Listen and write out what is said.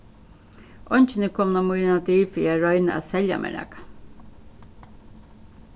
eingin er komin á mínar dyr fyri at royna at selja mær nakað